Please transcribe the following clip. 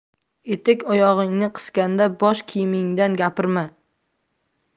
etik oyog'ingni qisganda bosh kiyimingdan gapirma